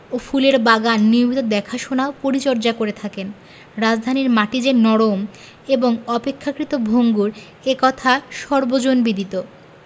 ও ফুলের বাগান নিয়মিত দেখাশোনা ও পরিচর্যা করে থাকেন রাজধানীর মাটি যে নরম এবং অপেক্ষাকৃত ভঙ্গুর এ কথা সর্বজনবিদিত